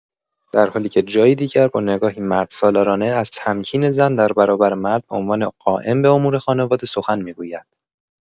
درحالی‌که جایی دیگر با نگاهی مردسالارانه از تمکین زن در برابر مرد به عنوان قائم به امور خانواده سخن می‌گوید.